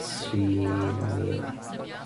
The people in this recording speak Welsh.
Tri mil.